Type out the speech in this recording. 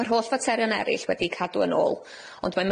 Ma'r holl faterion erill wedi'i cadw yn ôl ond mae